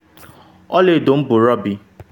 Ọla edo m bụ Robbie.”